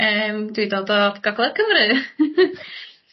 .yym dwi dod o gogledd Cymru